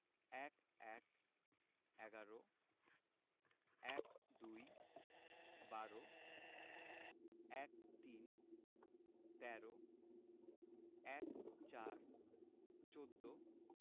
১১ - এগারো ১২ - বারো ১৩ - তেরো ১৪ - চৌদ্দ